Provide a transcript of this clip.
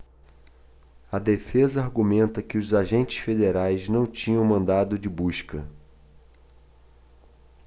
a defesa argumenta que os agentes federais não tinham mandado de busca